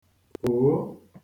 kòo